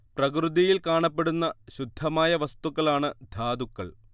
പ്രകൃതിയിൽ കാണപ്പെടുന്ന ശുദ്ധമായ വസ്തുക്കളാണ് ധാതുക്കൾ